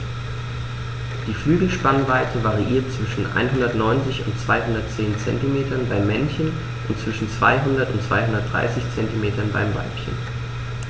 Die Flügelspannweite variiert zwischen 190 und 210 cm beim Männchen und zwischen 200 und 230 cm beim Weibchen.